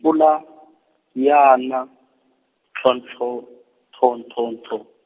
fula, ya na, tlhontlho- tlhontlhontlho-.